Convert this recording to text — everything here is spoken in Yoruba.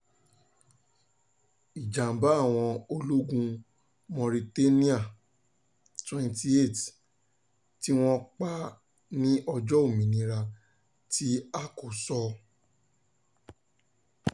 Ìjàm̀bá Àwọn Ológun Mauritania 28 tí wọ́n pa ní ọjọ́ Òmìnira tí a kò sọ